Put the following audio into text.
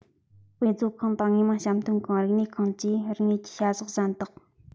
དཔེ མཛོད ཁང དང དངོས མང བཤམས སྟོན ཁང རིག གནས ཁང བཅས དང རིག གནས ཀྱི བྱ གཞག གཞན དག